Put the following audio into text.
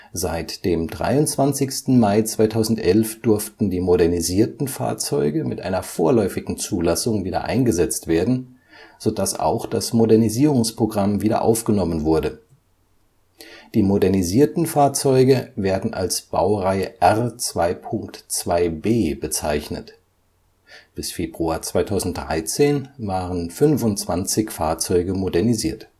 Seit dem 23. Mai 2011 durften die modernisierten Fahrzeuge mit einer vorläufigen Zulassung wieder eingesetzt werden, sodass auch das Modernisierungsprogramm wieder aufgenommen wurde. Die modernisierten Fahrzeuge werden als Baureihe R 2.2b bezeichnet, bis Februar 2013 waren 25 Fahrzeuge modernisiert